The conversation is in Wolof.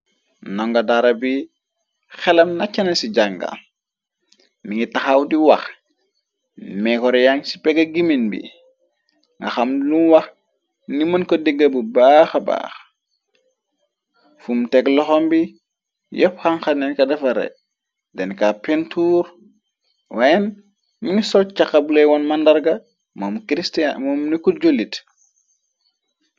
Ndonga dara bi xelam naccana ci jàngal mi ngi taxaw di wax meekoreyan ci pega gimin bi nga xam lu wax ni mën ko dégga bu baaxabaax fum teg loxam bi yepp xanxaneen ka defare den ka pintur waen ñu ngi soccaxa bulay woon màndarga moom crtmom ni kurju lit.